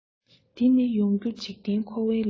འདི ནི ཡོང རྒྱུ འཇིག རྟེན འཁོར བའི ལས